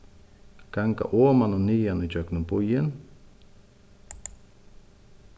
ganga oman og niðan ígjøgnum býin